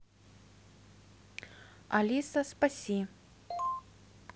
алиса спаси